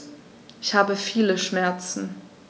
Ich habe viele Schmerzen.